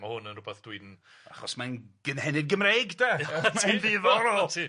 Ma' hwn yn rwbath dwi'n ... Achos mae'n gynhenid Gymreig 'de